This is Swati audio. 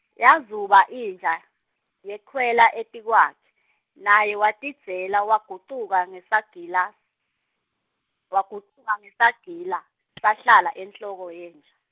Yazuba inja, yekhwela etikwakhe, naye watidzela wagucuka ngesagila, wagucuka ngesagila , sahlala enhloko yenja.